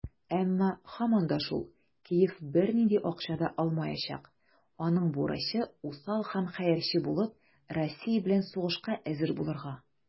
Әмма, һаман да шул, Киев бернинди акча да алмаячак - аның бурычы усал һәм хәерче булып, Россия белән сугышка әзер булырга.